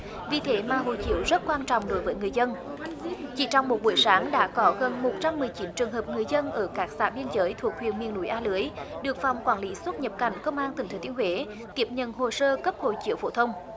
vì thế mà hộ chiếu rất quan trọng đối với người dân chỉ trong một buổi sáng đã có gần một trăm mười chín trường hợp người dân ở các xã biên giới thuộc huyện miền núi a lưới được phòng quản lý xuất nhập cảnh công an tỉnh thừa thiên huế tiếp nhận hồ sơ cấp hộ chiếu phổ thông